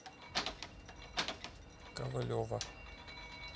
ковалева